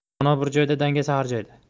dono bir joyda dangasa har joyda